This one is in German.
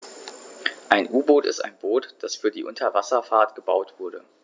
Ein U-Boot ist ein Boot, das für die Unterwasserfahrt gebaut wurde.